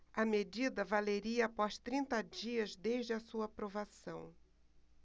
a medida valeria após trinta dias desde a sua aprovação